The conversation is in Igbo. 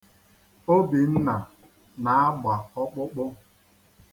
Obinna na-agba ọkpụkpụ.